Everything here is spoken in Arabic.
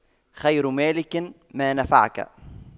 خير مالك ما نفعك